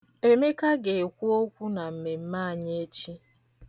Emeka ga-ekwu okwu na mmemme anyị echi.